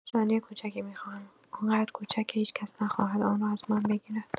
شادی کوچکی می‌خواهم آنقدر کوچک که هیچ‌کس نخواهد آن را از من بگیرد.